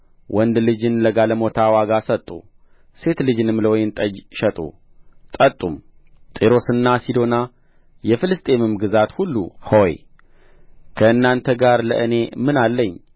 ወንድ ልጅን ለጋለሞታ ዋጋ ሰጡ ሴት ልጅን ለወይን ጠጅ ሸጡ ጠጡም ጢሮስና ሲዶና የፍልስጥኤምም ግዛት ሁሉ ሆይ ከእናንተ ጋር ለእኔ ምን አለኝ